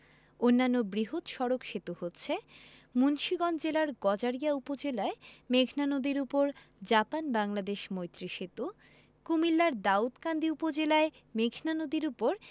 অন্যান্য বৃহৎ সড়ক সেতু হচ্ছে মুন্সিগঞ্জ জেলার গজারিয়া উপজেলায় মেঘনা নদীর উপর জাপান বাংলাদেশ মৈত্রী সেতু কুমিল্লার দাউদকান্দি উপজেলায় মেঘনা নদীর উপর